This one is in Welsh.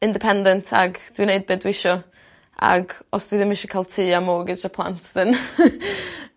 independent ag dwi wneud be' dwi isio ag os dwi ddim isio ca'l tŷ a mortgagae a plant then.